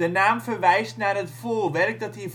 naam verwijst naar het voorwerk dat